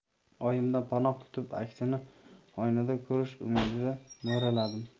oyimdan panoh kutib aksini oynada ko'rish umidida mo'raladim